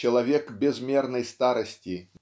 человек безмерной старости